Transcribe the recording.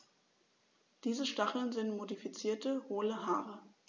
Diese Stacheln sind modifizierte, hohle Haare.